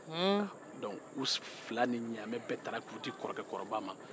dɔnku u fila ni ɲaamɛ tara k'u di kɔrɔkɛ kɔrɔba ma